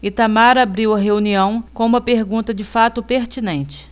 itamar abriu a reunião com uma pergunta de fato pertinente